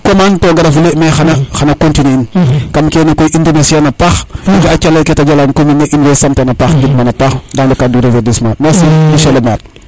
ka fi commande to gara fule mais xana continuer in kam kene koy i remercier an a paxa paax nu nga a calele ke te jala no commune ne in way sant ana paax ngid man a paax dans le cadre de reverdissement merci le maire